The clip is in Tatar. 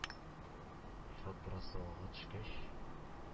Илфат бераз савыга төшкәч,